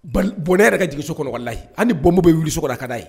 Bal bɔnnɛ yɛrɛ ka jigin so kɔnɔ, walayi. Hali ni bombe bɛ wili so kɔnɔ, a ka d'a ye.